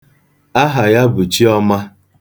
Aha ya bụ Chiọma.